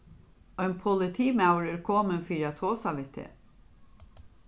ein politimaður er komin fyri at tosa við teg